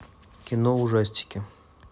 кино ужастики